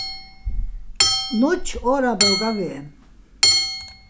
nýggj orðabók á veg